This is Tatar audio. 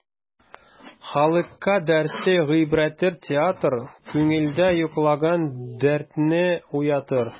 Халыкка дәрсе гыйбрәттер театр, күңелдә йоклаган дәртне уятыр.